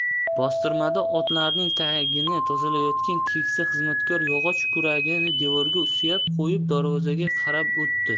bostirmada otlarning tagini tozalayotgan keksa xizmatkor yog'och kuragini devorga suyab qo'yib darvozaga qarab o'tdi